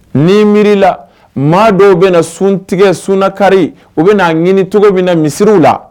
Ni miirila maa dɔw bɛna na suntigɛ, sununakari, u bɛna ɲini cogo min na misiriw la